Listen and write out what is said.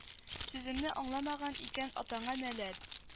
Сүземне анламаган икән атаңа нәләт